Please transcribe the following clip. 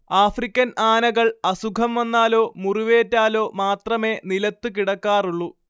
African ആനകൾ അസുഖം വന്നാലോ മുറിവേറ്റാലോ മാത്രമേ നിലത്ത് കിടക്കാറുള്ളു